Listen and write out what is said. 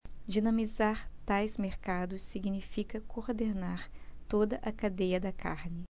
dinamizar tais mercados significa coordenar toda a cadeia da carne